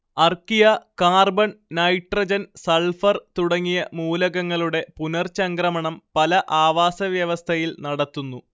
archaea, carbon, nitrogen, sulphur തുടങ്ങിയ മൂലകങ്ങളുടെ പുനർചംക്രമണം പല ആവാസവ്യവസ്ഥയിൽ നടത്തുന്നു